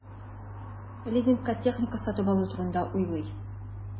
Лизингка техника сатып алу турында уйлый.